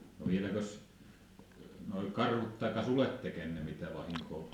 no vieläkös nuo karhut tai sulle teki ennen mitä vahinkoa